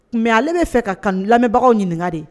mais ale bɛ fɛ ka lamɛbagaw ɲininka.